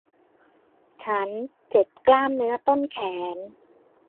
ฉันเจ็บกล้ามเนื้อต้นแขน